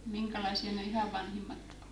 minkälaisia ne ihan vanhimmat oli